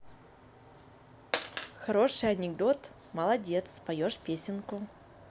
хороший анекдот молодец споешь песенку